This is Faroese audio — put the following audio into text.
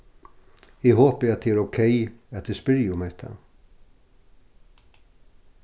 eg hopi at tað er ókey at eg spyrji um hetta